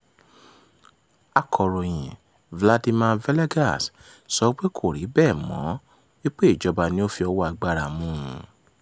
Akọ̀ròyìn Vladimir Villegas sọ wípé kò rí bẹ́ẹ̀ mọ́ wípé ìjọba ni ó fi ọwọ́ agbára mú u: